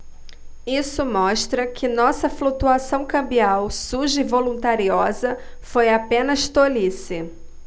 isso mostra que nossa flutuação cambial suja e voluntariosa foi apenas tolice